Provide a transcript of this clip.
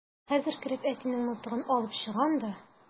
Хәзер кереп әтинең мылтыгын алып чыгам да...